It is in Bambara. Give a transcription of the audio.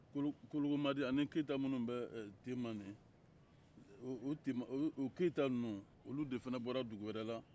kologo kologomadi ani keita minnu bɛ tema nin o tema o keita ninnu olu de fana bɔra dugu wɛrɛ la